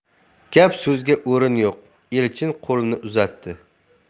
gap so'zga o'rin yo'q elchin qo'lini uzatdi